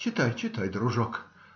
- Читай, читай, дружок!